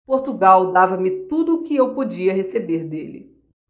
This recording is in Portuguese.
portugal dava-me tudo o que eu podia receber dele